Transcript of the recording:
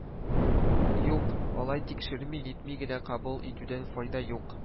Юк, алай тикшерми-нитми генә кабул итүдән файда юк